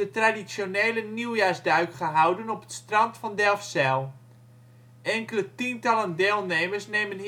traditionele nieuwjaarsduik gehouden op het strand van Delfzijl. Enkele tientallen deelnemers nemen